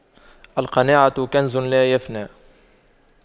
القناعة كنز لا يفنى